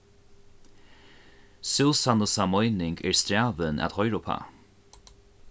súsannusa meining er strævin at hoyra uppá